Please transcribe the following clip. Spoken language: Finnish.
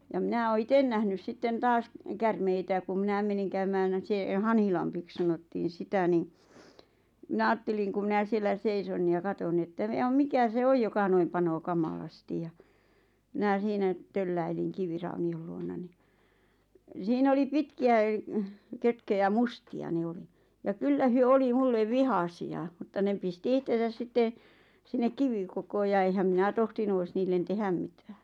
ja minä olen itse nähnyt sitten taas käärmeitä kun minä menin käymään - se Hanhilammeksi sanottiin sitä niin minä ajattelin kun minä siellä seison ja katson niin että ja mikä se on joka noin panee kamalasti ja minä siinä tölläilin kiviraunion luona niin siinä oli pitkiä kötköjä mustia ne oli ja kyllä he oli minulle vihaisia mutta ne pisti itseään sitten sinne kivikkoon ja enhän minä tohtinut olisi niille tehdä mitään